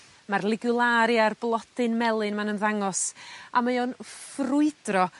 ma'r ligiwlaria'r blodyn melyn ma'n ymddangos a mae o'n ffrwydro